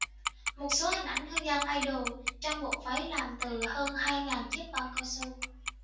một số hình ảnh hương giang idol trong bộ váy làm từ hơn hai nghìn chiếc bao cao su